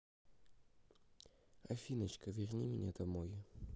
афиночка верни меня домой